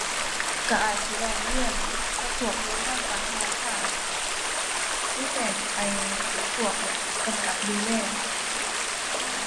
ก็อาจสิร้องเรียนกับพวกหน่วยงานกลางธนาคาร หรือแจ้งไปพวกแบบกำกับดูแล